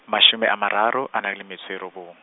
mashome a mararo, a na le metso e robong.